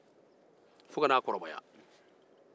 fo ka n'a kɔrɔbaya